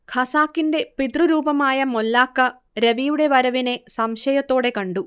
ഖസാക്കിന്റെ പിതൃരൂപമായ മൊല്ലാക്ക രവിയുടെ വരവിനെ സംശയത്തോടെ കണ്ടു